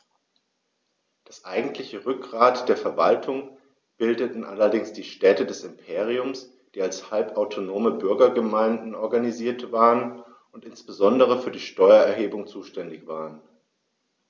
Das eigentliche Rückgrat der Verwaltung bildeten allerdings die Städte des Imperiums, die als halbautonome Bürgergemeinden organisiert waren und insbesondere für die Steuererhebung zuständig waren.